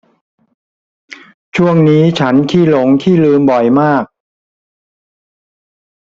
ช่วงนี้ฉันขี้หลงขี้ลืมบ่อยมาก